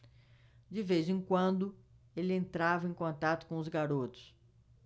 de vez em quando ele entrava em contato com os garotos